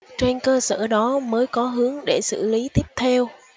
trên cơ sở đó mới có hướng để xử lý tiếp theo